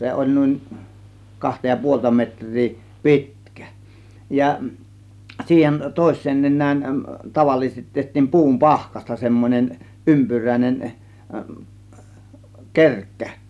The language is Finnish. se oli niin kahta ja puolta metriä pitkä ja siihen toiseen nenään tavallisesti tehtiin puun pahkasta semmoinen ympyräinen kerkkä